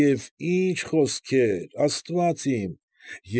Եվ ի՜նչ խոսքեր, աստված իմ։